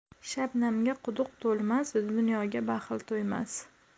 shabnamga quduq to'lmas dunyoga baxil to'ymas